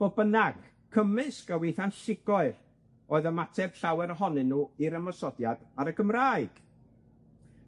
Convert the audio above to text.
Fodd bynnag, cymysg a weitha'n llugoer oedd ymateb llawer ohonyn nw i'r ymosodiad ar y Gymraeg.